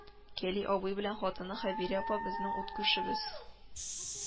Кәли абый белән хатыны Хәбирә апа безнең ут күршебез